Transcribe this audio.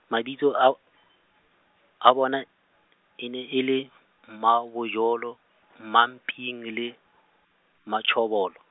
mabitso ao, a bona, e ne e le, Mmabojolo, Mmaping le Mmatjhobolo.